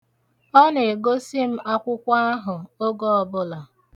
Ọ na-egosi m akwụkwọ ahụ oge ọbụla.